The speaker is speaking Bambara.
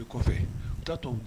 Be kɔfɛ u taa to